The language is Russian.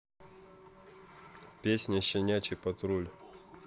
песня щенячий патруль